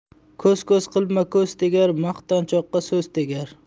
ko'z ko'z qilma ko'z tegar maqtanchoqqa so'z tegar